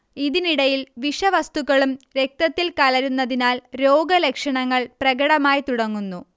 ഇതിനിടയിൽ വിഷവസ്തുക്കളും രക്തത്തിൽ കലരുന്നതിനാൽ രോഗലക്ഷണങ്ങൾ പ്രകടമായിത്തുടങ്ങുന്നു